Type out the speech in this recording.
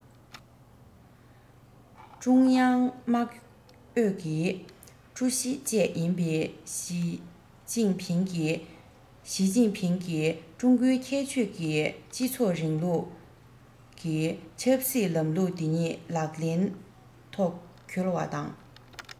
ཀྲུང དབྱང དམག ཨུད ཀྱི ཀྲུའུ ཞི བཅས ཡིན པའི ཞིས ཅིན ཕིང གིས ཞིས ཅིན ཕིང གིས ཀྲུང གོའི ཁྱད ཆོས ཀྱི སྤྱི ཚོགས རིང ལུགས ཀྱི ཆབ སྲིད ལམ ལུགས དེ ཉིད ལག ལེན ཐོག འཁྱོལ བ དང